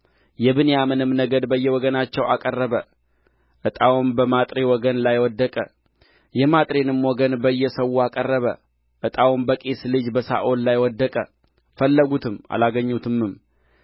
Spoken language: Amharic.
የብንያምንም ነገድ በየወገናቸው አቀረበ ዕጣውም በማጥሪ ወገን ላይ ወደቀ የማጥሪንም ወገን በየሰዉ አቀረበ ዕጣውም በቂስ ልጅ በሳኦል ላይ ወደቀ ፈለጉትም አላገኙትምም